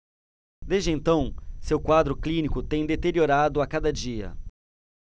desde então seu quadro clínico tem deteriorado a cada dia